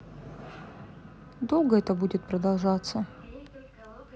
долго это будет продолжаться